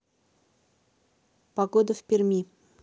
погода в перми